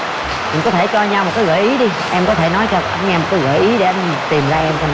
mình có thể cho nhau một cái gợi ý đi em có thể nói cho ảnh nghe một cái gợi ý để anh tìm ra em coi nè